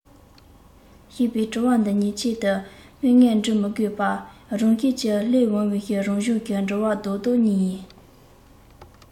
ཞེས པའི འདྲི བ འདི གཉིས ཆེད དུ མངགས ནས འདྲི མི དགོས པར རང བཞིན གྱིས སླེབས འོང བའི རང བྱུང གི འདྲི བ རྡོག རྡོག གཉིས ཡིན